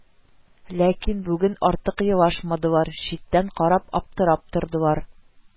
Ләкин бүген артык елышмадылар, читтән карап аптырап тордылар